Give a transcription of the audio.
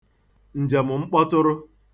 ǹjèm̀mkpọtụrụ